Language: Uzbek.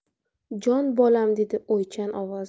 jon bolam dedi o'ychan ovozda